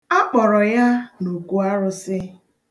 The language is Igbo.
A kpọrọ ya n'okwuarụsị.